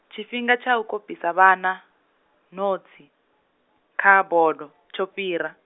tshifhinga tsha u kopisa vhana, notsi, kha bodo , tsho fhira.